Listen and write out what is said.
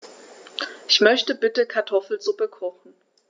Ich möchte bitte Kartoffelsuppe kochen.